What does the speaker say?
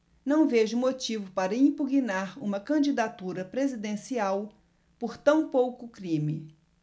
não vejo motivo para impugnar uma candidatura presidencial por tão pouco crime